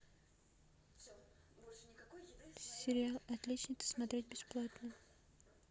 сериал отличница смотреть бесплатно